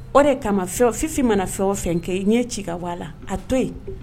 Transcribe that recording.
O de kama fɛn fifin mana fɛn o fɛn kɛ n ye ci ka waa la a to yen